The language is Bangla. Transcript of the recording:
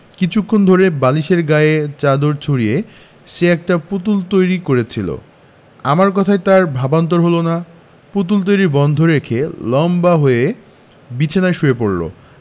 কিছুক্ষণ ধরেই বালিশের গায়ে চাদর জড়িয়ে সে একটা পুতুল তৈরি করছিলো আমার কথায় তার ভাবান্তর হলো না পুতুল তৈরী বন্ধ রেখে লম্বা হয়ে বিছানায় শুয়ে পড়লো